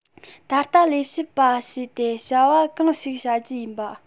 ད ལྟ ལས བྱེད པ བྱས ཏེ བྱ བ གང ཞིག བྱ རྒྱུ ཡིན པ